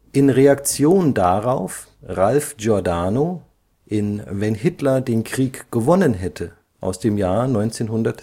in Reaktion darauf Ralph Giordano: Wenn Hitler den Krieg gewonnen hätte (1992). Der